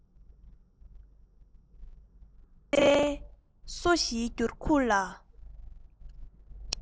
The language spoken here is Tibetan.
གསལ སོ བཞིའི འགྱུར ཁུག ལ